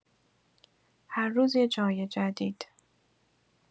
هر روز یه جای جدید.